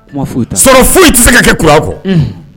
Sɔrɔ foyi tɛ se ka kɛ ku kɔ